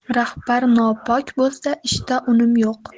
rahbar nopok bo'lsa ishda unum yo'q